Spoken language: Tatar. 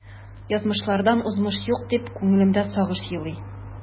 Язмышлардан узмыш юк, дип күңелемдә сагыш елый.